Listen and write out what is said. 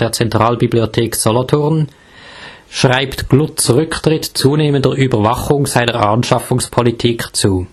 Zentralbibliothek Solothurn) schreibt Glutz ' Rücktritt zunehmender Überwachung seiner Anschaffungspolitik zu